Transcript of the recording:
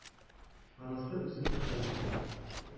Анысы үзе бер тарихлык.